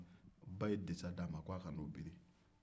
ba ye disa d'a ma ko a ka na o bili